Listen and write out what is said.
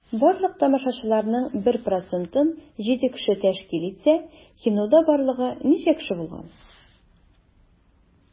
Барлык тамашачыларның 1 процентын 7 кеше тәшкил итсә, кинода барлыгы ничә кеше булган?